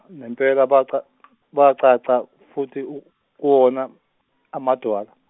nempela baca- bacaca futhi u- kuwona amadwala.